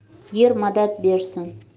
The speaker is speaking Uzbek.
yer madad bersin